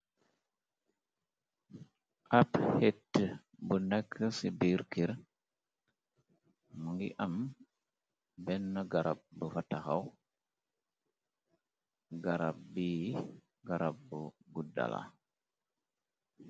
abhet bu nakk ci birkir mu ngi am benn garab bu fataxaw garab bi garab b guddala.